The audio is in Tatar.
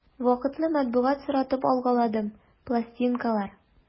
Вакытлы матбугат соратып алгаладым, пластинкалар...